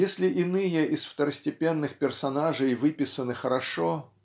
Если иные из второстепенных персонажей выписаны хорошо